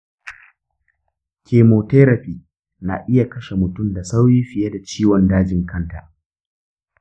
chemotherapy na iya kashe mutum da sauri fiye da ciwon daji kanta.